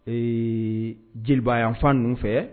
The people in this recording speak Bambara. Ee jeliba yanfan ninnu fɛ